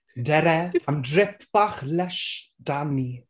Dere am drip bach lysh 'da ni.